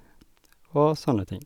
Og sånne ting.